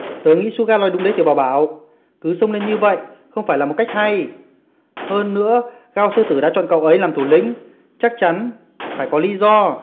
tớ nghĩ suga nói đúng cs sông lên như vậy không phải cách hay hơn nữa gao sư tử chọn cậu ấy làm thủ lĩnh chắc chắn phải có lí do